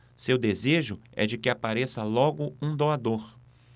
seu desejo é de que apareça logo um doador